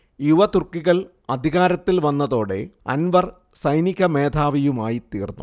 യുവതുർക്കികൾ അധികാരത്തിൽ വന്നതോടെ അൻവർ സൈനികമേധാവിയുമായിത്തീർന്നു